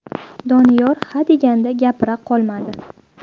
doniyor hadeganda gapira qolmadi